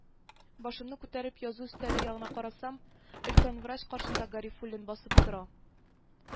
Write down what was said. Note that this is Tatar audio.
Башымны күтәреп язу өстәле ягына карасам, өлкән врач каршында Гарифуллин басып тора